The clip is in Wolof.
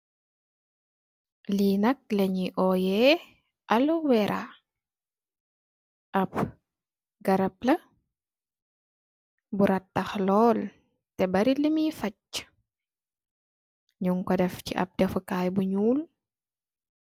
Li nak le nyu oyeh alovera ap garab la bu ratah lool teh bari lumoi fag nyun ko def si ap defu kai bu nuul.